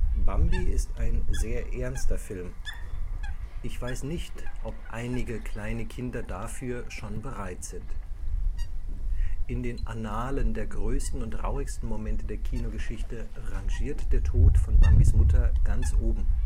Bambi ist ein sehr ernster Film. Ich weiß nicht, ob einige kleine Kinder dafür schon bereit sind […] In den Annalen der größten und traurigsten Momente der Kinogeschichte rangiert der Tod von Bambis Mutter ganz oben